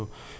voilà